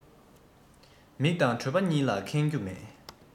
མིག དང གྲོད པ གཉིས ལ ཁེངས རྒྱུ མེད